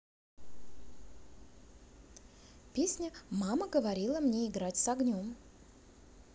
песня мама говорила мне играть с огнем